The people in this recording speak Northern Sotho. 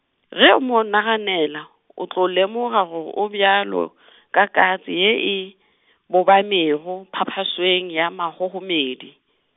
ge o mo naganela, o tlo lemoga go o bjalo , ka katse ye e , bobamego phaphasweng ya mahohomedi.